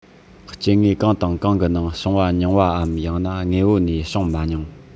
སྐྱེ དངོས གང དང གང གི ནང བྱུང བ ཉུང བའམ ཡང ན དངོས པོ ནས བྱུང མ མྱོང